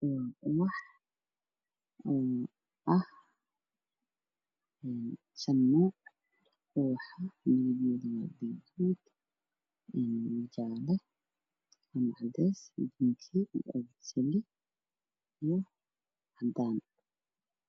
Waa ubax oo ah shan nuuc ubax gaduud jaalle iyo cadays basali iyo cadaan.